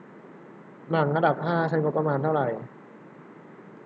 หนังอันดับห้าใช้งบประมาณเท่าไหร่